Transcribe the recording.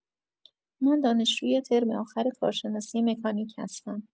من دانشجوی ترم آخر کارشناسی مکانیک هستم.